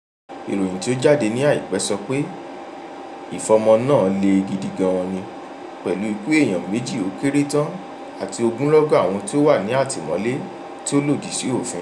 Ìròyìn tí ó jáde ní àìpẹ́ sọ pé "ìfọ̀mọ́ " náà le gidi gan-an ni, pẹ̀lú ikú èèyàn méjì ó kéré tán àti ogunlọ́gọ̀ àwọn tí ó wà ní àtìmọ́lé tí ó lòdì sí òfin.